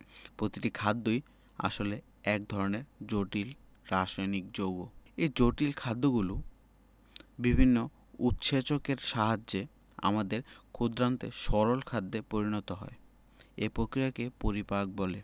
প্রতিটি খাদ্যই আসলে এক ধরনের জটিল রাসায়নিক যৌগ এই জটিল খাদ্যগুলো বিভিন্ন উৎসেচকের সাহায্যে আমাদের ক্ষুদ্রান্তে সরল খাদ্যে পরিণত হয় এই প্রক্রিয়াকে পরিপাক বলে